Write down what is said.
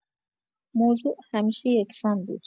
موضوع همیشه یکسان بود